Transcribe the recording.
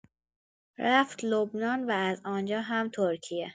رفت لبنان و از آنجا هم ترکیه.